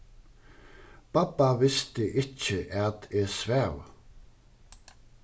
babba visti ikki at eg svav